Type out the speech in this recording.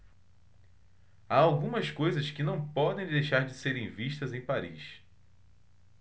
há algumas coisas que não podem deixar de serem vistas em paris